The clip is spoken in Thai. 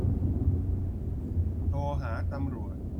โทรหาตำรวจ